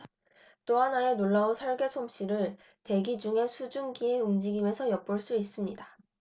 또 하나의 놀라운 설계 솜씨를 대기 중의 수증기의 움직임에서 엿볼 수 있습니다